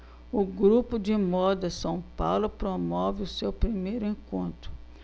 o grupo de moda são paulo promove o seu primeiro encontro